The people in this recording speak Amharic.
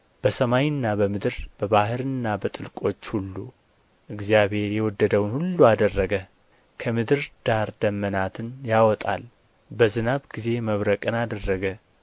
በሰማይና በምድር በባሕርና በጥልቆች ሁሉ እግዚአብሔር የወደደውን ሁሉ አደረገ ከምድር ዳር ደመናትን ያወጣል በዝናብ ጊዜ መብረቅን አደረገ